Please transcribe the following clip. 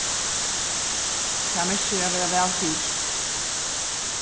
tað merkir at vera væl fyri